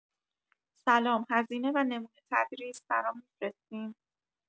سلام هزینه و نمونه تدریس برام می‌فرستین؟